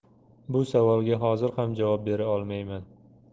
bu savolga hozir ham javob bera olmayman